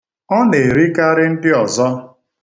Ọ na-erikarị ndị ọzọ.